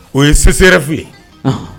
O ye CSREF ye anhan